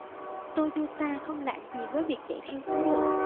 toyota không lạ gì với việc chạy theo số lượng